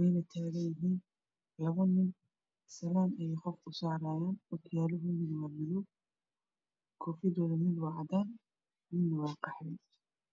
eyna taaganyihiin labbo nin sallaan qof ayey u saarayaan ookoyaalohood waa maddow koofidood mid waa caaddaan midnah waa qaxwo